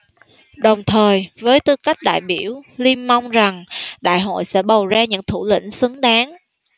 đồng thời với tư cách đại biểu liêm mong rằng đại hội sẽ bầu ra những thủ lĩnh xứng đáng